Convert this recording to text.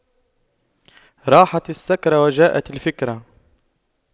راحت السكرة وجاءت الفكرة